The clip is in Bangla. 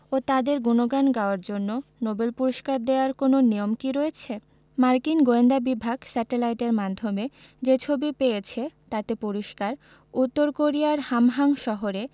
ও তাঁদের গুণগান গাওয়ার জন্য নোবেল পুরস্কার দেওয়ার কোনো নিয়ম কি রয়েছে মার্কিন গোয়েন্দা বিভাগ স্যাটেলাইটের মাধ্যমে যে ছবি পেয়েছে তাতে পরিষ্কার উত্তর কোরিয়ার হামহাং শহরে